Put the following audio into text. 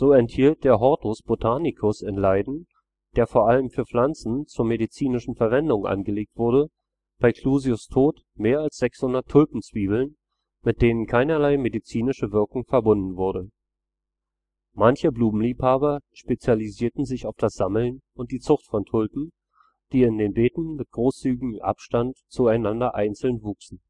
enthielt der Hortus botanicus in Leiden, der vor allem für Pflanzen zur medizinischen Verwendung angelegt wurde, bei Clusius’ Tod mehr als 600 Tulpenzwiebeln, mit denen keinerlei medizinische Wirkung verbunden wurde. Manche Blumenliebhaber spezialisierten sich auf das Sammeln und die Zucht von Tulpen, die in den Beeten mit großzügigem Abstand zueinander einzeln wuchsen